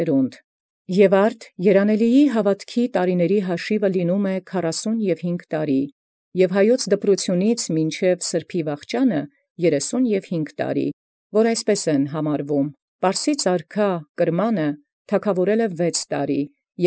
Կորյուն Եւ արդ լինի համար ամաց հաւատոց երանելւոյն ամք քառասուն և հինգ, և ի դպրութենէն Հայոց մինչև ցվախճան սրբոյն՝ ամք երեսուն և հինգ, որք համարին այսպէս. թագաւորեալ Կրմանայ Պարսից արքայի ամս վեց. և։